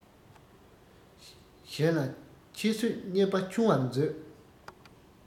གཞན ལ ཁྱད གསོད བརྙས པ ཆུང བར མཛོད